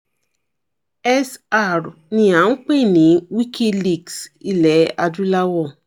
SR ni à ń pè ní Wikileaks Ilé Adúláwọ̀.